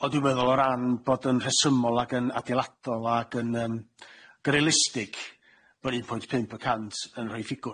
Ond dwi'n meddwl o ran bod yn rhesymol ag yn adeiladol ag yn yym gyr-realistic bod yr un pwynt pump y cant yn rhoi ffigwr.